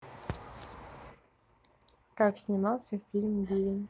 как снимался фильм бивень